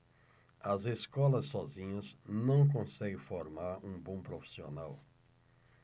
as escolas sozinhas não conseguem formar um bom profissional